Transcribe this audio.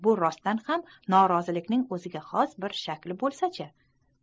bu rostdan ham norozilikning o'ziga xos bir shakli bo'lsa chi